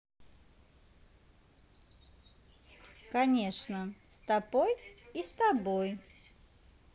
конечно стопой и с тобой